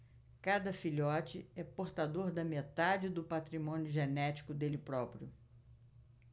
cada filhote é portador da metade do patrimônio genético dele próprio